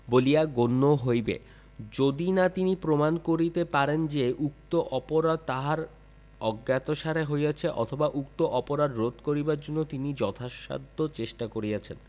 বলিয়া গণ্য হইবে যদি না তিনি প্রমাণ করিতে পারেন যে উক্ত অপরাধ তাহার অজ্ঞাতসারে হইয়াছে অথবা উক্ত অপরাধ রোধ করিবার জন্য তিনি যথাসাধ্য চেষ্টা করিয়াছেন